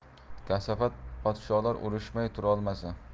kasofat podsholar urushmay turolmasa